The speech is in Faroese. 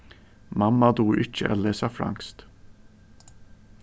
mamma dugir ikki at lesa franskt